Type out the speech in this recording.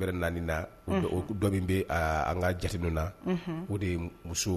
Bɛ na na dɔ min bɛ an ka jate na o de ye muso